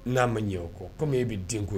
N'a ma ɲɛ o kɔ komi e bɛ denko ye